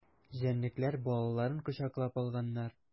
Җәнлекләр балаларын кочаклап алганнар.